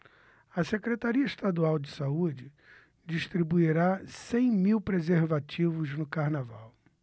a secretaria estadual de saúde distribuirá cem mil preservativos no carnaval